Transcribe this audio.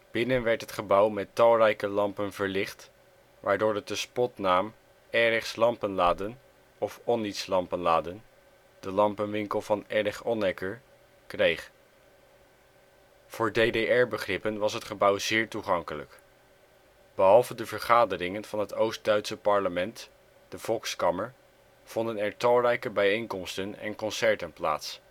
Binnen werd het gebouw met talrijke lampen verlicht, waardoor het de spotnaam Erichs Lampenladen of Honnies Lampenladen (de lampenwinkel van Erich Honecker) kreeg. Voor DDR-begrippen was het gebouw zeer toegankelijk. Behalve de vergaderingen van het Oost-Duitse parlement, de Volkskammer, vonden er talrijke bijeenkomsten en concerten plaats